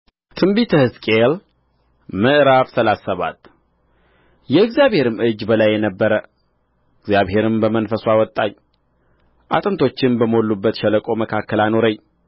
በትንቢተ ሕዝቅኤል ምዕራፍ ሰላሳ ሰባት የእግዚአብሔርም እጅ በላዬ ነበረ እግዚአብሔርም በመንፈሱ አወጣኝ አጥንቶችም በሞሉባት ሸለቆ መካከል አኖረኝ